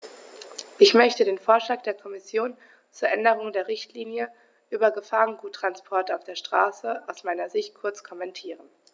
Ich möchte den Vorschlag der Kommission zur Änderung der Richtlinie über Gefahrguttransporte auf der Straße aus meiner Sicht kurz kommentieren.